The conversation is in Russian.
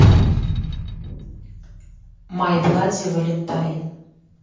май блади валентайн